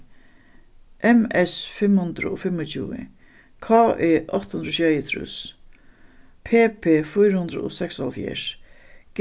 m s fimm hundrað og fimmogtjúgu k e átta hundrað og sjeyogtrýss p p fýra hundrað og seksoghálvfjerðs